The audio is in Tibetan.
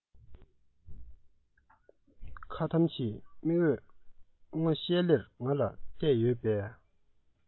ཁ དམ ཀྱིས མིག འོད སྔོ ཤལ ལེར ང ལ བལྟས ཡོད པའི